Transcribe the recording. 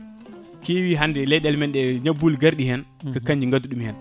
keewi hande e leyɗele men ɗe ñabbuli garɗi hen ko kañƴi gaddi ɗum hen